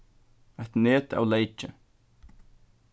eitt net av leyki